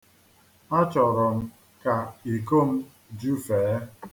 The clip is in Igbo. Achọrọ m ka iko m jufee.